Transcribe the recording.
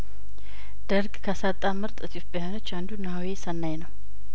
ደርግ ካሳጣን ምርጥ ኢትዮጵያውያኖች አንዱናሆሰናይነው